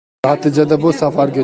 natijada bu safargi